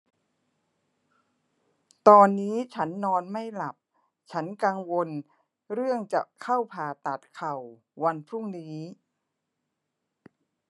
ตอนนี้ฉันนอนไม่หลับฉันกังวลเรื่องจะเข้าผ่าตัดเข่าวันพรุ่งนี้